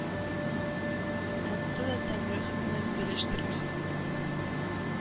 Онытты да тәңре хөкмен, белештерми,